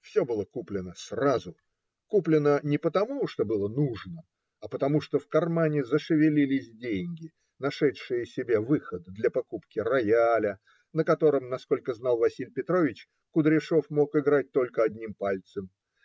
Все было куплено сразу, куплено не потому, что было нужно, а потому, что в кармане зашевелились деньги, нашедшие себе выход для покупки рояля, на котором, насколько знал Василий Петрович, Кудряшов мог играть только одним пальцем